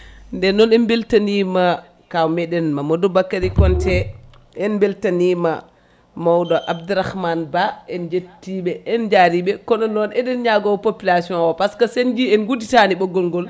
nden en beltanima kaw meɗen Mamadou Bakary konté en beltanima mawɗo Abdrahmane Ba en jettiɓe en jariɓe kono noon eɗen ñaago population par ce que sen ji en gudditani ɓoggol ngol